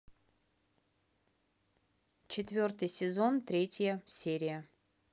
четвертый сезон третья серия